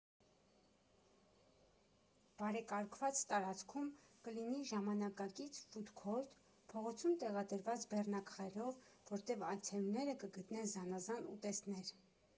Բարեկարգված տարածքում կլինի ժամանակակից ֆուդ֊քորթ՝ փողոցում տեղադրված բեռնարկղերով, որտեղ այցելուները կգտնեն զանազան ուտեստներ։